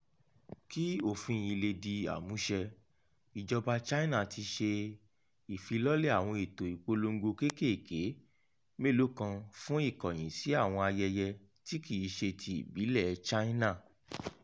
Kí òfin yìí lè di àmúṣẹ, ìjọba China ti ṣe ìfilọ́lẹ̀ àwọn ètò ìpolongo kéékèèké mélòó kan fún ìkọ̀yìn sí àwọn ayẹyẹ tí kì í ṣe ti ìbílẹ̀ China.